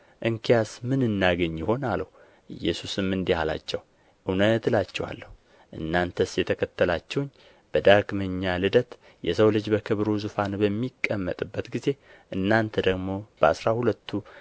እንኪያስ ምን እናገኝ ይሆን አለው ኢየሱስም እንዲህ አላቸው እውነት እላችኋለሁ እናንተስ የተከተላችሁኝ በዳግመኛ ልደት የሰው ልጅ በክብሩ ዙፋን በሚቀመጥበት ጊዜ እናንተ ደግሞ በአሥራ ሁለቱ